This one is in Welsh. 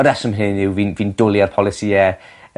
y rheswm hyn yw fi'n fi'n dwli ar polisie